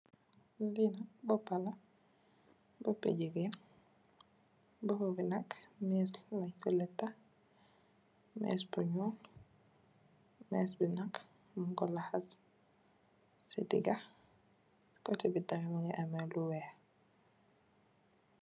Li nak bópa la, bopú jigeen, bópa bi nak més len ko lètta més bu ñuul més bi nak ñing ko laxas ci diga, koteh bi tamit mungii ameh lu wèèx.